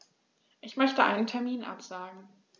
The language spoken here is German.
Ich möchte einen Termin absagen.